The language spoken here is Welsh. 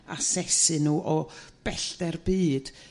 asesu nhw o bellter byd